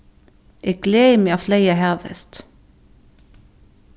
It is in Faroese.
eg gleði meg at fleyga havhest